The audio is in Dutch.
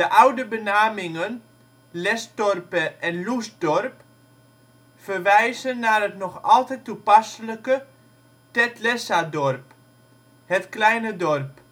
oude benamingen ' Lesthorpe ' en ' Loessdorp ' verwijzen naar het nog altijd toepasselijke ' thet lessa dorp ';" het kleine dorp